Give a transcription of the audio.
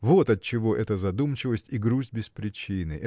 Вот отчего эта задумчивость и грусть без причины